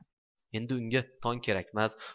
endi unga tong kerakmas